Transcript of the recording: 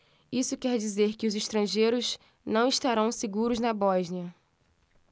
isso quer dizer que os estrangeiros não estarão seguros na bósnia